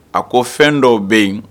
A ko fɛn dɔw bɛ yen.